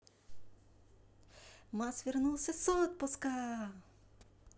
mass вернулся с отпуска